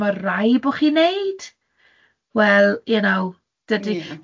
mae rhaid bo' chi'n wneud, well, you know, dydi... Ie